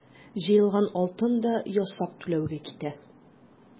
Җыелган алтын да ясак түләүгә китә.